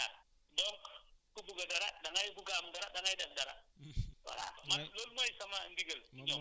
sa njaboot nga koy jox te si loolu nga yaakaar donc ku bugg dara da ngay bugg a am dara da ngay def dara